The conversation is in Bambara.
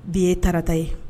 Bi ye tarata ye